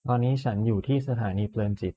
ตอนนี้ฉันอยู่ที่สถานีเพลินจิต